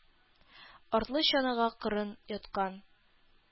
Артлы чанага кырын яткан,